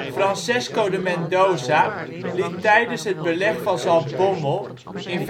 Francesco de Mendoza liet tijdens het Beleg van Zaltbommel (1599